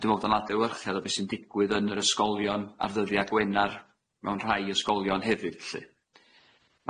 A dwi me'wl bod o'n adlewyrchiad o be sy'n digwydd yn yr ysgolion ar ddyddia' Gwener mewn rhai ysgolion hefyd lly.